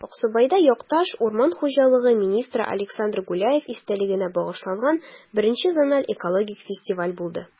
Аксубайда якташ, урман хуҗалыгы министры Александр Гуляев истәлегенә багышланган I зональ экологик фестиваль булды